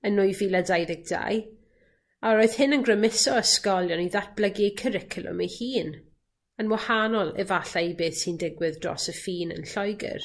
yn nwy fil a dau ddeg dau, a roedd hyn yn grymuso ysgolion i ddatblygu eu cwricwlwm eu hun, yn wahanol efallai i beth sy'n digwydd dros y ffin yn Lloegyr.